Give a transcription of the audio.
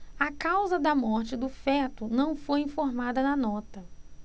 a causa da morte do feto não foi informada na nota